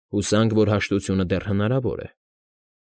Հուսանք, որ հաշտությունը դեռ հնարավոր է։